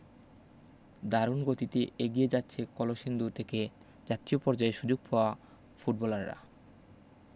দারুণ গতিতে এগিয়ে যাচ্ছে কলসিন্দুর থেকে জাতীয় পর্যায়ে সুযোগ পাওয়া ফুটবলাররা